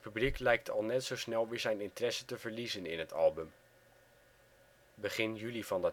blijkt al net zo snel weer zijn interesse te verliezen in het album. Begin juli van